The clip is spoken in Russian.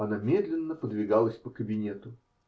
Она медленно подвигалась по кабинету.